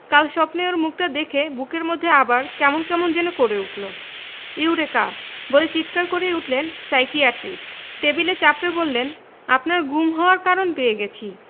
কাল স্বপ্নে ওর মুখটা দেখে বুকের মধ্যে আবার কেমন কেমন যেন করে উঠল ‘ইউরেকা বলে চিৎকার করে উঠলেন সাইকিয়াট্রিস্ট টেবিলে চাপড়ে বললেন আপনার গুম হওয়ার কারণ পেয়ে গেছি